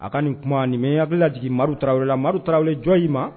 A ka nin kuma nin bɛ hakilila jigin tarawelerawwu taraweleraw jɔn ye ma